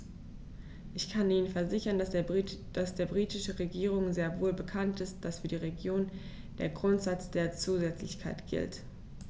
Ich kann Ihnen versichern, dass der britischen Regierung sehr wohl bekannt ist, dass für die Regionen der Grundsatz der Zusätzlichkeit gilt.